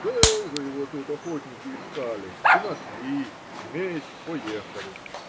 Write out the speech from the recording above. Долго его тут охотники искали и нашли: вместе поехали.